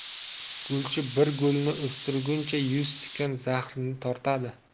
gulchi bir gulni o'stirguncha yuz tikan zahrini tortadi